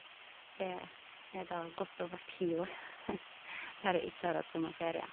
Det er da godt over ti år der jeg ikke har hatt sommerferie.